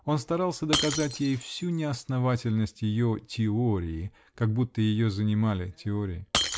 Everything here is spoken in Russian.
он старался доказать ей всю неосновательность ее "теории", как будто ее занимали теории!